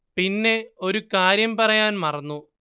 പിന്നെ ഒരു കാര്യം പറയാന്‍ മറന്നു